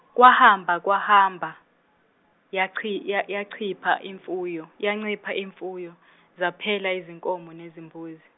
wahamba kwahamba, yanchi- ya- yancipha imfuyo, yancipha imfuyo, zaphela izinkomo nezimbuzi.